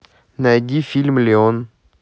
найди фильм леон